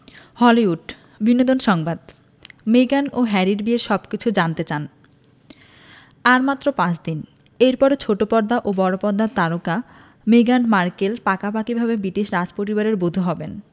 Hollywood বিনোদন সংবাদ মেগান ও হ্যারির বিয়ের সবকিছু জানতে চান আর মাত্র পাঁচ দিন এরপর ছোট পর্দা ও বড় পর্দার তারকা মেগান মার্কেল পাকাপাকিভাবে ব্রিটিশ রাজপরিবারের বধূ হবেন